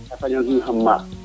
a fañi gu xa maaɓ